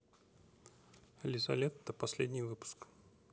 лизолетта последний выпуск